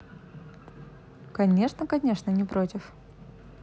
конечно конечно не против